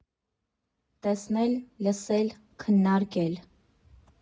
Տեսնել, լսել, քննարկել։